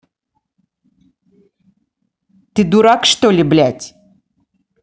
ты дурак что ли блядь